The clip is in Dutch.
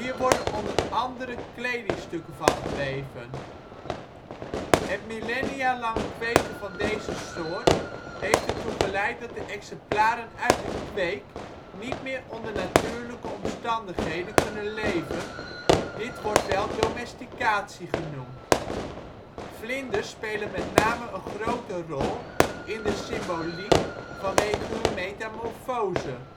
worden onder andere kledingstukken van geweven. Het millennialang kweken van deze soort heeft ertoe geleid dat de exemplaren uit de kweek niet meer onder natuurlijke omstandigheden kunnen leven, dit wordt wel domesticatie genoemd. Vlinders spelen met name een grote rol in de symboliek vanwege hun metamorfose